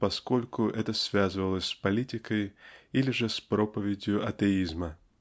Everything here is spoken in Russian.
поскольку это связывалось с политикой или же с проповедью атеизма.